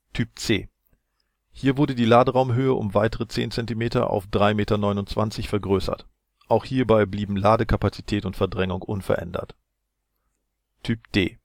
Typ C: Hier wurde die Laderaumhöhe um weitere 10 cm auf 3,29 m vergrößert. Auch hierbei blieben Ladekapazität und Verdrängung unverändert. Typ D